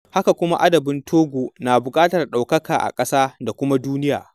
Haka kuma, adabin Togo na buƙatar ɗaukaka a ƙasa da kuma duniya.